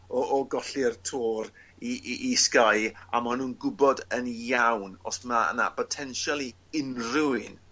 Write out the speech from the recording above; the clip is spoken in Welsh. o o golli'r Tour i i i Sky a ma' nw'n gwbod yn iawn os mae 'na botensial i unryw un